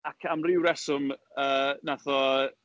Ac am ryw reswm, yy, wnaeth o...